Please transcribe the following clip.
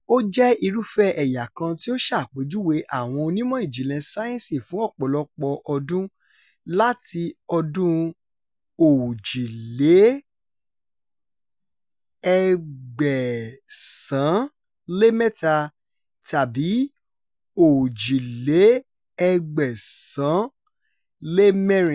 Ó jẹ́ irúfẹ́ ẹ̀yà kan tí ó ṣàpèjúwe àwọn onímọ̀ ìjìnlẹ̀ sáyẹ́ǹsì fún lọ̀pọ̀lọpọ̀ ọdú, láti ọdún 1843 tàbí 1844.